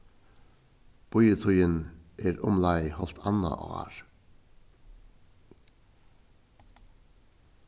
bíðitíðin er umleið hálvt annað ár